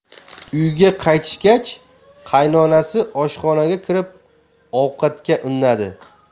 uyga qaytishgach qaynonasi oshxonaga kirib ovqatga unnadi